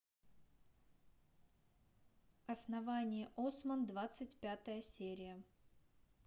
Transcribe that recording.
основание осман двадцать пятая серия